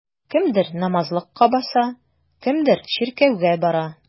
Кемдер намазлыкка басса, кемдер чиркәүгә бара.